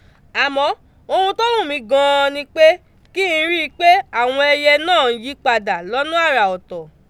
Àmọ́ ohun tó wù mí gan an ni pé kí n rí i pé àwọn ẹyẹ náà ń yí padà lọ́nà àrà ọ̀tọ̀.